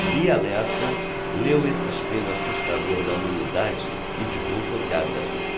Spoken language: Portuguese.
bia lessa leu esse espelho assustador da humanidade e ficou tocada